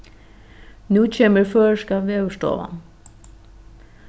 nú kemur føroyska veðurstovan